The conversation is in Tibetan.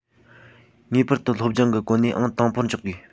ངེས པར དུ སློབ སྦྱོང གི གོ གནས ཨང དང པོར འཇོག དགོས